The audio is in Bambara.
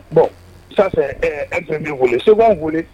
Bon, ça c'est un premier volet, second volet